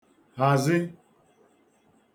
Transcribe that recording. hazi